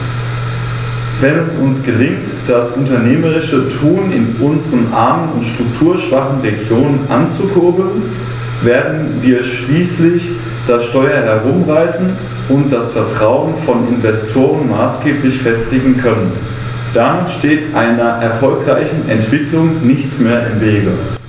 Wenn es uns gelingt, das unternehmerische Tun in unseren armen und strukturschwachen Regionen anzukurbeln, werden wir schließlich das Steuer herumreißen und das Vertrauen von Investoren maßgeblich festigen können. Damit steht einer erfolgreichen Entwicklung nichts mehr im Wege.